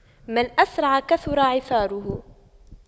من أسرع كثر عثاره